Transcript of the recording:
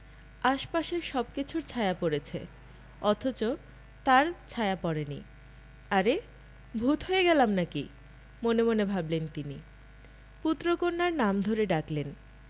আশপাশের সবকিছুর ছায়া পড়েছে অথচ তাঁর ছায়া পড়েনি আরে ভূত হয়ে গেলাম নাকি মনে মনে ভাবলেন তিনি পুত্র কন্যার নাম ধরে ডাকলেন